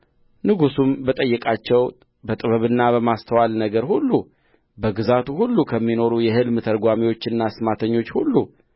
ንጉሡም በጠየቃቸው በጥበብና በማስተዋል ነገር ሁሉ በግዛቱ ሁሉ ከሚኖሩ የሕልም ተርጓሚዎችና አስማተኞች ሁሉ